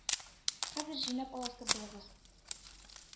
-хәзер җыйнап аласы булыгыз!